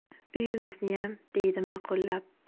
uyimizniyam deydi maqullab